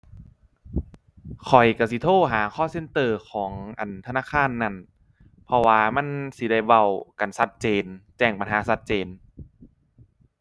ข้อยก็สิโทรหา call center ของ อั่น ธนาคารนั้น เพราะว่ามันสิได้เว้ากันก็เจนแจ้งปัญหาก็เจน